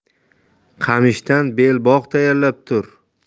qamishdan belbog' tayyorlab tur